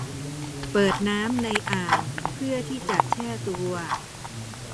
เปิดน้ำในอ่างเพื่อที่จะแช่ตัว